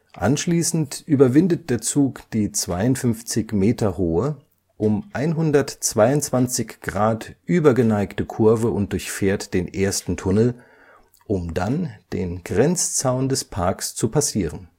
Anschließend überwindet der Zug die 52 Meter hohe, um 122 Grad übergeneigte Kurve und durchfährt den ersten Tunnel, um dann den Grenzzaun des Parks zu passieren